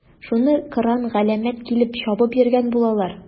Шуны кыран-галәмәт килеп чабып йөргән булалар.